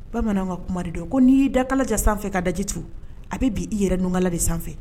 Bamananw ka kumadi don ko'i' i da kalajan sanfɛ ka dajitu a bɛ bi i yɛrɛ nkala de sanfɛ